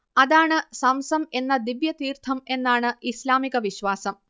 അതാണ് സംസം എന്ന ദിവ്യതീർത്ഥം എന്നാണ് ഇസ്ലാമിക വിശ്വാസം